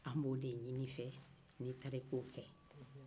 o b'o de ɲini i fɛ n'i taa i k'o kɛ